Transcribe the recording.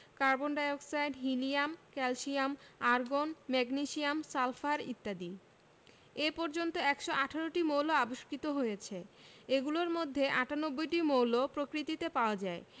carbon oxygen helium calcium argon magnesium sulphur ইত্যাদি এ পর্যন্ত ১১৮টি মৌল আবিষ্কৃত হয়েছে এগুলোর মধ্যে ৯৮টি মৌল প্রকৃতিতে পাওয়া যায়